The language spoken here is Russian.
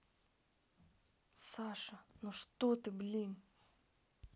саша ну что ты блин